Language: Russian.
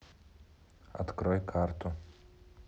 открой карту